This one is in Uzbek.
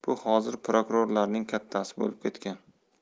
bu hozir prokurorlarning kattasi bo'lib ketgan